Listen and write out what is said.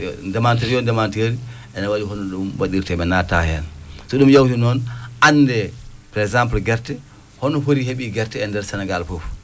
ndemanteeri yo ndemanteeri ene waɗi holno ɗum waɗirtee mi naatataa heen so ɗum yawtii noon anndee pre exemple gerte honoo foti heɓii gerte e ndeer Sénégal